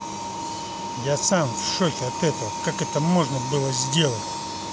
я сам в шоке от этого как это можно было сделать